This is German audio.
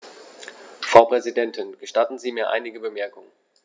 Frau Präsidentin, gestatten Sie mir einige Bemerkungen.